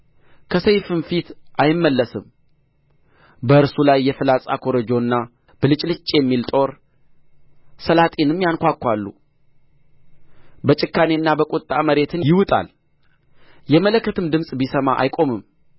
ከሰይፍም ፊት አይመለስም በእርሱ ላይ የፍላጻ ኮረጆና ብልጭልጭ የሚል ጦር ሰላጢንም ያንኳኳሉ በጭካኔና በቍጣ መሬትን ይውጣል የመለከትም ድምፅ ቢሰማ አይቆምም